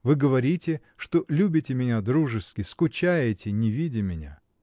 Вы говорите, что любите меня дружески, скучаете, не видя меня.